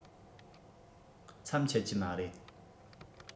མཚམས ཆད ཀྱི མ རེད